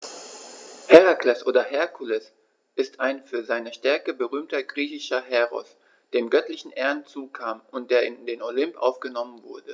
Herakles oder Herkules ist ein für seine Stärke berühmter griechischer Heros, dem göttliche Ehren zukamen und der in den Olymp aufgenommen wurde.